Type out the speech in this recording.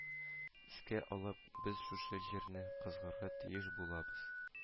Искә алып, без шушы җирне казырга тиеш булабыз